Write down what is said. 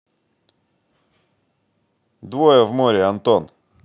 двое в море антон